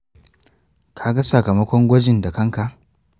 ka ga sakamakon gwajin da kanka?